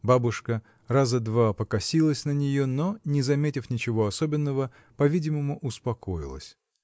Бабушка раза два покосилась на нее, но, не заметив ничего особенного, по-видимому, успокоилась.